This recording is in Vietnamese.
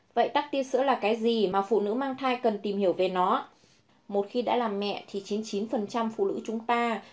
vậy tắc tia sữa cái gì mà phụ nữ mang thai cần tìm hiểu về nó một khi đã làm mẹ thì phần trăm phụ nữ chúng ta